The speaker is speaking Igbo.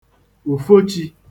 ùfochī